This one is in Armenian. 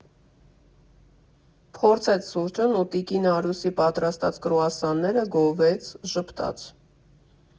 Փորձեց սուրճն ու տիկին Արուսի պատրաստած կրուասանները՝ գովեց, ժպտաց։